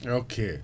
ok